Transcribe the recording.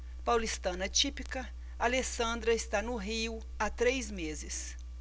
paulistana típica alessandra está no rio há três meses